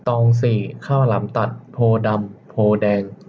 ตองสี่ข้าวหลามตัดโพธิ์ดำโพธิ์แดง